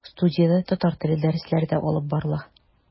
Студиядә татар теле дәресләре дә алып барыла.